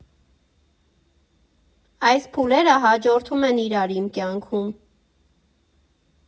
Այս փուլերը հաջորդում են իրար իմ կյանքում։